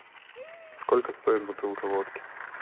сколько стоит бутылка водки